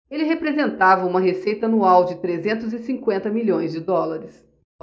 ele representava uma receita anual de trezentos e cinquenta milhões de dólares